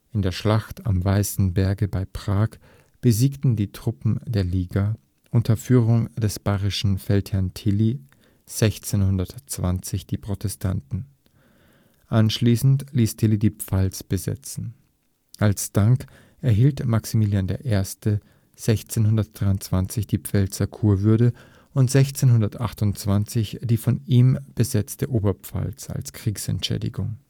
In der Schlacht am Weißen Berge bei Prag besiegten die Truppen der Liga unter Führung des bayerischen Feldherrn Tilly 1620 die Protestanten. Anschließend ließ Tilly die Pfalz besetzen. Als Dank erhielt Maximilian I. 1623 die Pfälzer Kurwürde und 1628 die von ihm besetzte Oberpfalz als Kriegsentschädigung